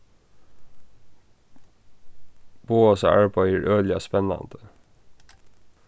bogasa arbeiði er øgiliga spennandi